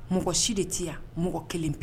Mɔgɔ si de tɛ yan mɔgɔ kelen pe yen